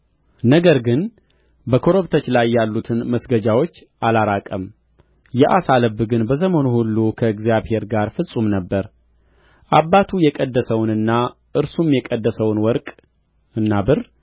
ነገር ግን በኮረብቶች ላይ ያሉትን መስገጃዎች አላራቀም የአሳ ልብ ግን በዘመኑ ሁሉ ከእግዚአብሔር ጋር ፍጹም ነበረ አባቱ የቀደሰውንና እርሱም የቀደሰውን ወርቅና ብር